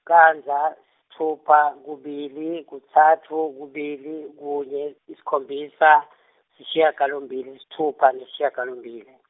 candza, sitfupha, kubili, kutsatfu, kubili, kunye, sikhombisa , sishiyagalombili, sitfupha nesishiyagalombili.